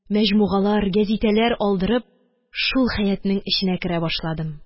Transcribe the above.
Мәҗмугалар, гәзитәләр алдырып, шул хәятның эченә керә башладым.